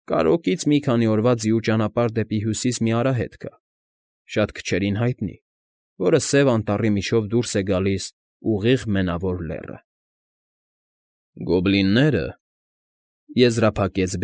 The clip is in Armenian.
Կարրոկից մի քանի օրվա ձիու ճանապարհ դեպի հյուսիս մի արահետ կա, շատ քչերին հայտնի, որև Սև Անտառի միջով դուրս է գալիս ուղիղ Մենավոր Լեռը։ ֊ Գոբլինները,֊ եզրափակեց։